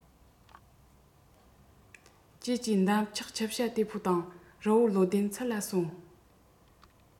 ཀྱེ ཀྱེ འདབ ཆགས ཁྱིམ བྱ དེ ཕོ དང རི བོང བློ ལྡན ཚུར ལ གསོན